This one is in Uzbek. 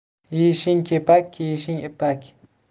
yeyishing kepak kiyishing ipak